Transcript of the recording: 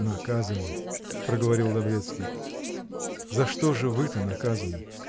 -- Наказаны, -- проговорил Лаврецкий. -- За что же вы-то наказаны?